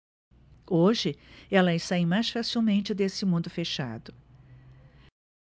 hoje elas saem mais facilmente desse mundo fechado